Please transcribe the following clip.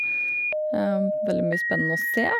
Veldig mye spennende å se.